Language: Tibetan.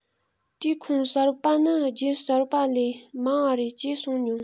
དེའི ཁོངས གསར པ ནི རྒྱུད གསར པ ལས མང བ རེད ཅེས གསུངས མྱོང